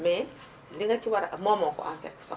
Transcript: mais li nga ci war a am moomoo ko en quelque sorte